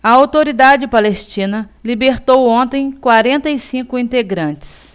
a autoridade palestina libertou ontem quarenta e cinco integrantes